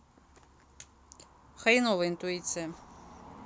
хреновая интуиция